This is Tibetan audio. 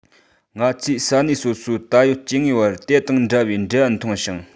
ང ཚོས ས གནས སོ སོའི ད ཡོད སྐྱེ དངོས བར དེ དང འདྲ བའི འབྲེལ བ མཐོང ཞིང